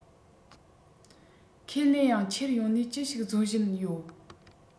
ཁས ལེན ཡང འཁྱེར ཡོང ནས ཅི ཞིག བཟོ བཞིན ཡོད